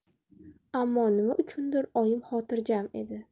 ammo nima uchundir oyim xotirjam edi